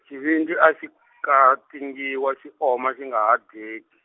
xivindzi a xi , katingiwa xi oma xi nga ha dyeki.